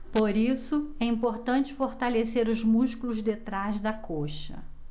por isso é importante fortalecer os músculos de trás da coxa